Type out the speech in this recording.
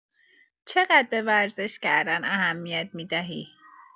چقدر به ورزش کردن اهمیت می‌دهی؟